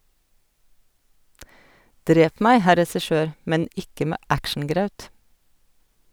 Drep meg, herr regissør, men ikke med actiongraut.